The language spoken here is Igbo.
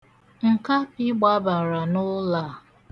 Nkapị gbabara n'ụlọ a.